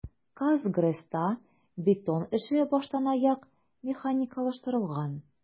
"казгрэс"та бетон эше баштанаяк механикалаштырылган.